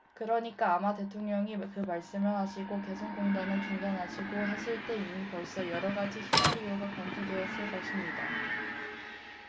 그러니까 아마 대통령이 그 말씀을 하시고 개성공단을 중단하시고 하실 때 이미 벌써 여러 가지 시나리오가 검토되었을 것입니다